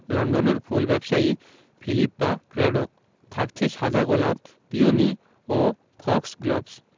লন্ডনের ফুল ব্যবসায়ী ফিলিপ্পা ক্র্যাডোক থাকছে সাদা গোলাপ পিওনি ও ফক্সগ্লোভস